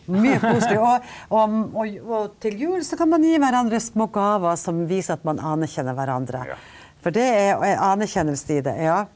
mye koselig og og og og til jul, så kan man gi hverandre små gaver som viser at man anerkjenner hverandre, for det er ei anerkjennelse i det ja.